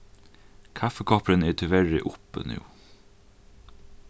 kaffikoppurin er tíverri uppi nú